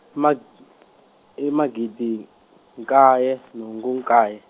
mag- i magidi, nkaye, nhungu nkaye.